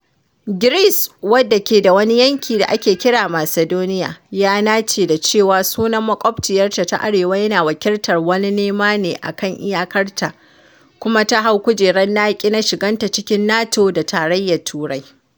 Greece, wadda ke da wani yanki da ake kira Macedonia, ya nace da cewa sunan makwabciyarta ta arewa yana wakiltar wani nema ne a kan iyakarta kuma ta hau-kujerar-na-ki na shiganta cikin NATO da Tarayyar Turai.